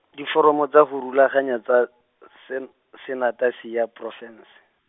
diforamo tsa go rulaganya tsa sen- senatasi ya porofense.